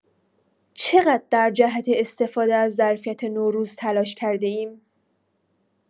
چقدر در جهت استفاده از ظرفیت نوروز تلاش کرده‌ایم؟